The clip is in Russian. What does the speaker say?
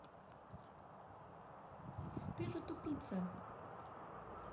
ты же тупица